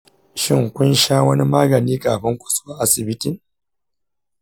shin kun sha wani magani kafin ku zo asibitin?